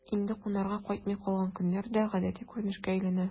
Инде кунарга кайтмый калган көннәр дә гадәти күренешкә әйләнә...